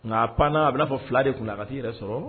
Nka a pan a bɛnaa fɔ fila de kun a ka' i yɛrɛ sɔrɔ